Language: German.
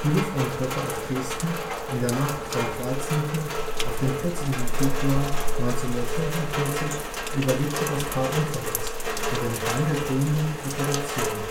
Luftangriffe auf Dresden in der Nacht vom 13. auf den 14. Februar 1945 überlebte das Paar unverletzt und entkam der drohenden Deportation